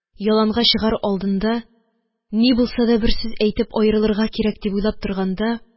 Яланга чыгар алдында ни булса да бер сүз әйтеп аерылырга кирәк дип уйлап торганда,